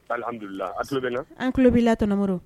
Alihamudulila, a' tulo bɛ n na? an tulo b'i la tonton Modibo